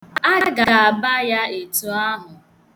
A ga-aba ya etu ahụ.